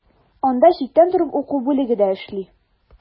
Анда читтән торып уку бүлеге дә эшли.